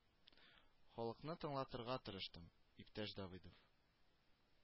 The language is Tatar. Халыкны тыңлатырга тырыштым, иптәш Давыдов